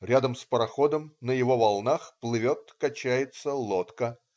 Рядом с пароходом, на его волнах - плывет, качается лодка.